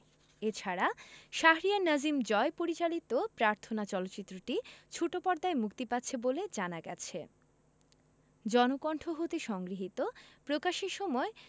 এ ছাড়া শাহরিয়ার নাজিম জয় পরিচালিত প্রার্থনা চলচ্চিত্রটি ছোট পর্দায় মুক্তি পাচ্ছে বলে জানা গেছে জনকণ্ঠ হতে সংগৃহীত প্রকাশের সময়